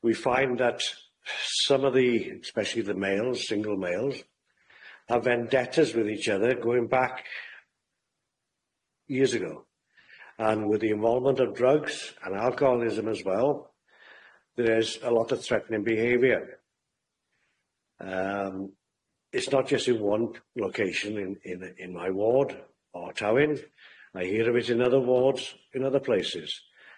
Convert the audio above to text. We find that some of the especially the males single males are vendettas with each other going back years ago and with the involvement of drugs and alcoholism as well there is a lot of threatening behaviour.